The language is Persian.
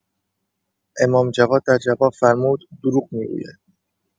امام جواد در جواب فرمود: دروغ می‌گویند!